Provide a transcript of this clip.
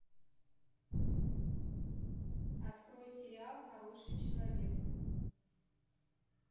открой сериал хороший человек